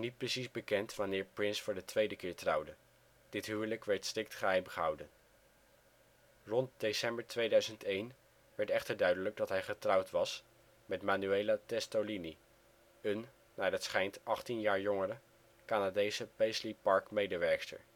precies bekend wanneer Prince voor de tweede keer trouwde: dit huwelijk werd strikt geheimgehouden. Rond december 2001 werd echter duidelijk dat hij getrouwd was met Manuela Testolini, een, naar het schijnt achttien jaar jongere, Canadese Paisley Park-medewerkster